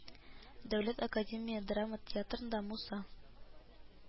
Дәүләт академия драма театрында, муса